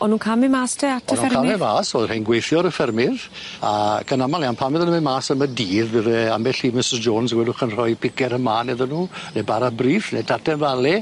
O'n nw'n ca'l myn' mas te at y ffermydd? O'n nw'n ca'l myn' mas o'dd rhei'n gweithio ar y ffermydd ac yn amal iawn pan fydden nw'n myn' mas am y dydd bydde ambell i Misys Jones wedwch yn rhoi pice ar y man iddyn nw ne' bara brith ne' tarten 'fale.